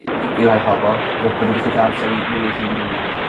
i i i rai pobol bo' bo' nw'n gellu ca'l amser i n'w u hun i